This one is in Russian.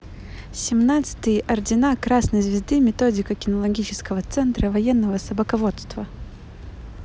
семнадцатый ордена красной звезды методика кинологического центра военного собаководства